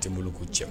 Tɛ n bolo ko cɛ